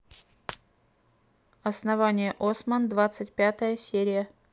основание осман двадцать пятая серия